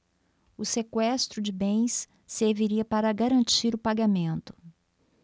o sequestro de bens serviria para garantir o pagamento